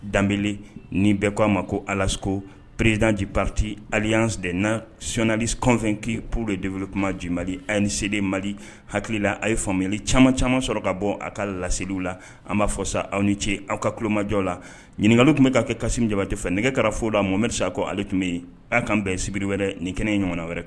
Da ni bɛɛ k ko aa ma ko ala ko pererdjipriti ali and nna sonli cofɛnkipur de deelekuma di mali a se mali hakilila a ye faamuyali caman caman sɔrɔ ka bɔ a ka laeliw la an b'a fɔ sa aw ni ce aw ka kulomajɔ la ɲininkaka tun bɛ ka kɛ kasi jabati fɛ nɛgɛ kɛra fɔ la momeri sa ko ale tun bɛ yen a kanan bɛn sibiri wɛrɛ nin kɛnɛ ye ɲɔgɔn wɛrɛ kan